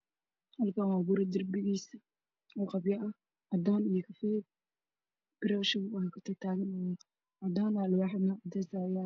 Meeshaan waxaa ka muuqdo guri qabyo ah Oo wali la dhamaystirin